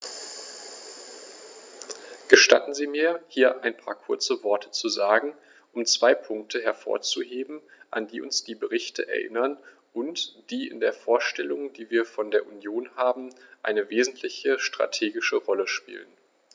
Gestatten Sie mir, hier ein paar kurze Worte zu sagen, um zwei Punkte hervorzuheben, an die uns diese Berichte erinnern und die in der Vorstellung, die wir von der Union haben, eine wesentliche strategische Rolle spielen.